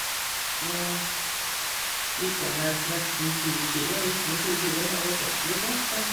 Så nå gikk jeg ned nesten tjue kilo, jeg gikk ned tjue kilo men jeg har gått opp litt igjen, så...